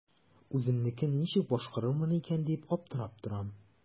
Үземнекен ничек башкарырмын икән дип аптырап торам.